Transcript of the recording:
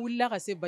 Wili ka se